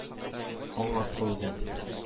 — аңа кол бул